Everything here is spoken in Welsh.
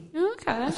oce